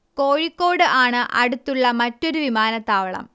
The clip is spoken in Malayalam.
കോഴിക്കോട് ആണ് അടുത്തുള്ള മറ്റൊരു വിമാനത്താവളം